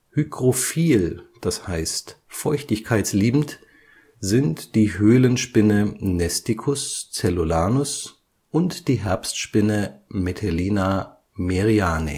Hygrophil (feuchtigkeitsliebend) sind die Höhlenspinne Nesticus cellulanus und die Herbstspinne Metellina merianae